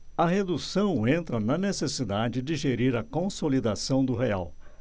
a redução entra na necessidade de gerir a consolidação do real